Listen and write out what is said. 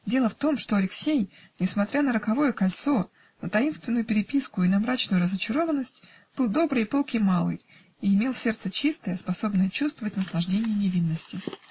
Дело в том, что Алексей, несмотря на роковое кольцо, на таинственную переписку и на мрачную разочарованность, был добрый и пылкий малый и имел сердце чистое, способное чувствовать наслаждения невинности.